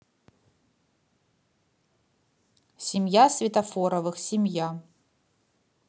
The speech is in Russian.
семья светофоровых семья